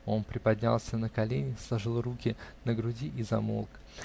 Он приподнялся на колени, сложил руки на груди и замолк.